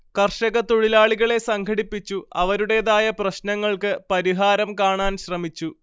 കർഷകതൊഴിലാളികളെ സംഘടിപ്പിച്ചു അവരുടേതായ പ്രശ്നങ്ങൾക്ക് പരിഹാരം കാണാൻ ശ്രമിച്ചു